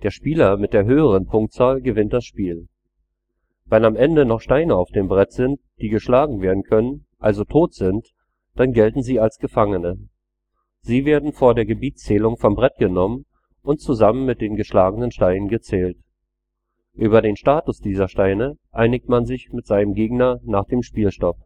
Spieler mit der höheren Punktzahl gewinnt das Spiel. Wenn am Ende noch Steine auf dem Brett sind, die geschlagen werden können, also tot sind, dann gelten sie als Gefangene. Sie werden vor der Gebietszählung vom Brett genommen und zusammen mit den geschlagenen Steinen gezählt. Über den Status dieser Steine einigt man sich mit seinem Gegner nach dem Spielstopp